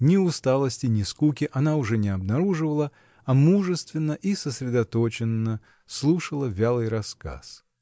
Ни усталости, ни скуки она уже не обнаруживала, а мужественно и сосредоточенно слушала вялый рассказ.